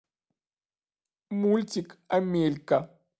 мультик амелька